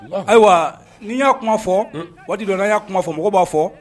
Ayiwa n'i y'a kuma fɔ waatina y'a kuma fɔ mɔgɔ b'a fɔ